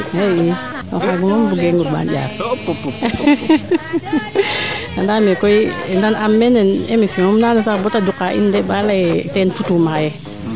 xay ii o xaaga moom bugee ngurmbaan njaar andaame koy nan aam meene emission um naana sax bata ndukaa in de baa leyee teen futwum xaye